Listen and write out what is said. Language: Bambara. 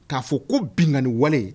K'a fɔ ko binkan niwale